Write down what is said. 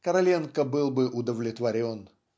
Короленко был бы удовлетворен.